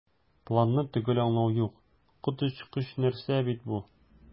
"планны төгәл аңлау юк, коточкыч нәрсә бит бу!"